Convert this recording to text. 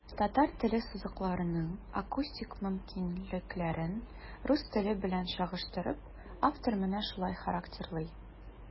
Татар теле сузыкларының акустик мөмкинлекләрен, рус теле белән чагыштырып, автор менә шулай характерлый.